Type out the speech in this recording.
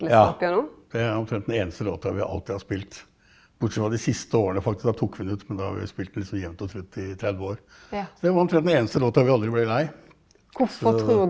ja det er omtrent den eneste låta vi alltid har spilt, bortsett fra de siste årene faktisk da tok vi den ut, men da har vi spilt den liksom jevnt og trutt i 30 år, så det var omtrent den eneste låta vi aldri ble lei så.